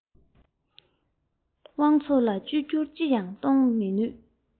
དབང ཚོར ལ བཅོས བསྒྱུར ཅི ཡང གཏོང མི ནུས